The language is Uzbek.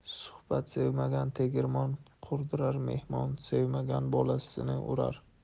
suhbat sevmagan tegirmon qurdirar mehmon sevmagan bolasini urar